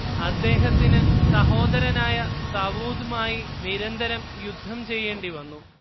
അദ്ദേഹത്തിനു സഹോദരനായ സവൂദ് മായി നിരന്തരം യുദ്ധം ചെയ്യേണ്ടിവന്നു